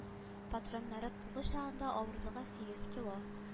Патроннары тулы чагында авырлыгы сигез кило